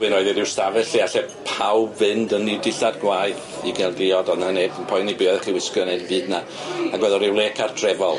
Wedyn oedd e ryw stafell lle alle pawb fynd yn 'u dillad gwaeth i ga'l diod o' 'na neb yn poeni be' oeddech chi wisgo neu 'im byd na ag oedd o ryw le cartrefol.